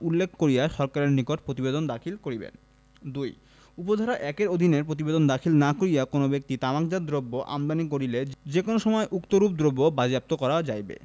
উল্লেখ করিয়া সরকারের নিকট প্রতিবেদন দাখিল করিবেন ২ উপ ধারা ১ এর অধীন প্রতিবেদন দাখিল না করিয়া কোন ব্যক্তি তামাকজাত দ্রব্য আমদানি করিলে যে কোন সময় উক্তরূপ দ্রব্য বাজেয়াপ্ত করা যাইবে